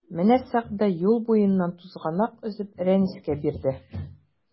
Менә Сәгъдә юл буеннан тузганак өзеп Рәнискә бирде.